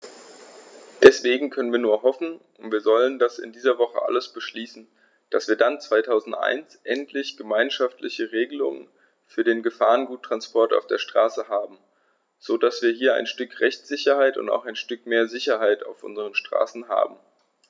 Deswegen können wir nur hoffen - und wir sollten das in dieser Woche alles beschließen -, dass wir dann 2001 endlich gemeinschaftliche Regelungen für den Gefahrguttransport auf der Straße haben, so dass wir hier ein Stück Rechtssicherheit und auch ein Stück mehr Sicherheit auf unseren Straßen haben.